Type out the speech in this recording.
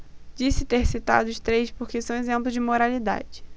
disse ter citado os três porque são exemplos de moralidade